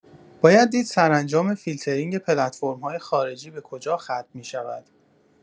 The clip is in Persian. باید دید سرانجام فیلترینگ پلتفرم‌های خارجی به کجا ختم می‌شود.